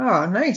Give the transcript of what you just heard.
O neis.